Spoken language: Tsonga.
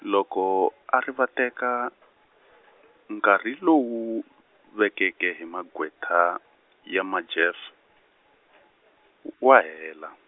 loko a rivateka , nkarhi lowu, vekeke hi maqhweta, ya Majeff , w- wa hela.